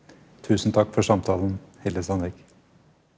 tusen takk for samtalen Hilde Sandvik.